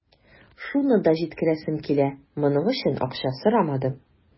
Шуны да җиткерәсем килә: моның өчен акча сорамадым.